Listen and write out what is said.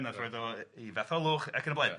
wnaeth rhoid o i Fatholwch ac yn y blaen... Ia.